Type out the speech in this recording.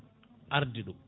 arde ɗo